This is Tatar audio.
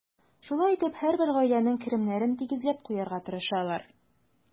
Шулай итеп, һәрбер гаиләнең керемнәрен тигезләп куярга тырышалар.